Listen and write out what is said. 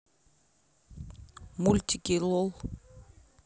мультики лол